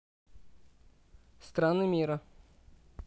страны мира